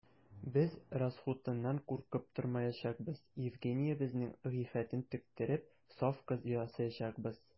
Без расхутыннан куркып тормаячакбыз: Евгениябезнең гыйффәтен тектереп, саф кыз ясаячакбыз.